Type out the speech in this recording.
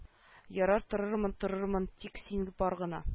Ярар торырмын торырмын тик син бар гына